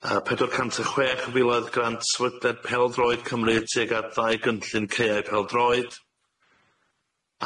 Yy pedwar cant a chwech miloedd grant sefydliad pêl-droed Cymru tuag at ddau gynllun caeau pêl-droed.